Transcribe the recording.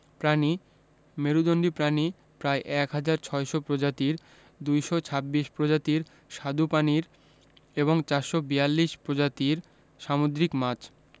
প্রাণীঃ মেরুদন্ডী প্রাণী প্রায় ১হাজার ৬০০ প্রজাতির ২২৬ প্রজাতির স্বাদু পানির এবং ৪৪২ প্রজাতির সামুদ্রিক মাছ